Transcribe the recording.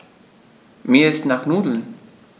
Mir ist nach Nudeln.